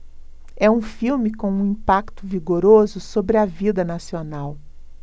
é um filme com um impacto vigoroso sobre a vida nacional